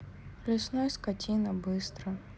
лесной скотина быстро